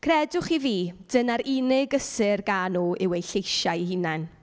Credwch chi fi, dyna'r unig gysur ga' nhw yw eu lleisiau eu hunain.